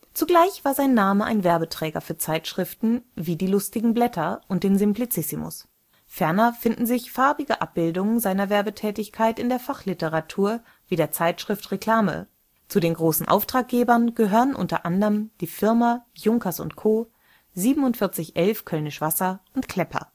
Zugleich war sein Name ein Werbeträger für Zeitschriften wie die „ Lustigen Blätter “und den „ Simplicissimus “. Ferner finden sich farbige Abbildungen seiner Werbetätigkeit in der Fachliteratur, wie der Zeitschrift „ Reklame “. Zu den großen Auftraggebern gehörten u. a. die Firmen Junkers & Co., 4711 Kölnisch Wasser und Klepper